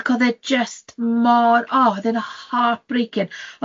Ac oedd e jyst mor, o, oedd e'n heartbreaking.